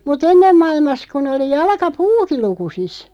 mutta ennen maailmassa kun oli jalkapuukin lukusissa